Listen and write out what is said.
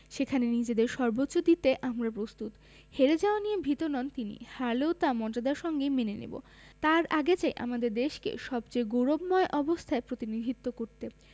সেখানে নিজেদের সর্বোচ্চ দিতে আমরা প্রস্তুত হেরে যাওয়া নিয়েও ভীত নন তিনি হারলেও তা মর্যাদার সঙ্গেই মেনে নেব তার আগে চাই আমাদের দেশকে সবচেয়ে গৌরবময় অবস্থায় প্রতিনিধিত্ব করতে